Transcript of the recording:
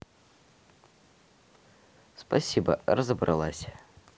спасибо разобралась